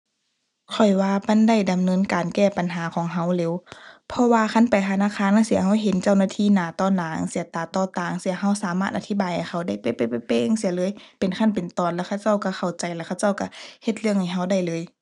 ข้อยว่ามันได้ดำเนินการแก้ปัญหาของเราเร็ว เพราะว่าคันไปธนาคารจั่งซี้ เราเห็นเจ้าหน้าที่หน้าต่อหน้าจั่งซี้ ตาต่อตาจั่งซี้ เราสามารถอธิบายให้เขาได้เป๊ะเป๊ะเป๊ะเป๊ะจั่งซี้เลย เป็นขั้นเป็นตอนแล้วเขาเจ้าเราเข้าใจ แล้วเขาเจ้าเราเฮ็ดเรื่องให้เราได้เลย